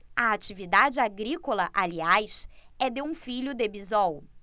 a atividade agrícola aliás é de um filho de bisol